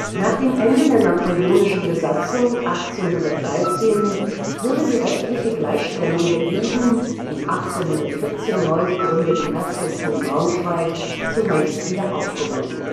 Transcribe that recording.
Nach dem Ende der napoleonischen Besatzung 1813 wurde die rechtliche Gleichstellung der Juden im 1814 neu gegründeten Herzogtum Braunschweig zunächst wieder aufgehoben